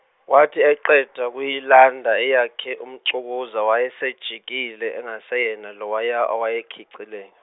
wathi eqeda ukuyilanda eyakhe uMxukuza wayesejikile engaseyena lowaya owayakhecelen-.